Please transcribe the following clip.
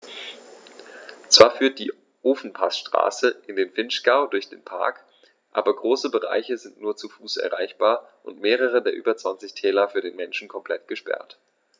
Zwar führt die Ofenpassstraße in den Vinschgau durch den Park, aber große Bereiche sind nur zu Fuß erreichbar und mehrere der über 20 Täler für den Menschen komplett gesperrt.